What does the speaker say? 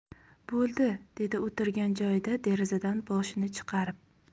bo'ldi dedi o'tirgan joyida derazadan boshini chiqarib